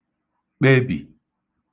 kpebì